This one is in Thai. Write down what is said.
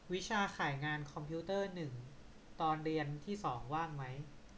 วิชาข่ายงานคอมพิวเตอร์หนึ่งตอนเรียนที่สองว่างไหม